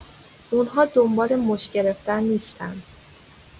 اون‌ها دنبال مچ گرفتن نیستن